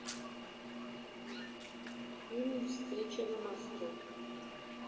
фильм встреча на мосту